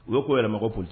U ye ko yɛrɛ mako kojugu